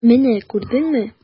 Менә күрдеңме!